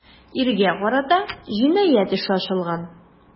Иргә карата җинаять эше ачылган.